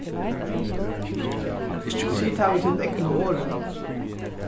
sig tað við tínum egnu orðum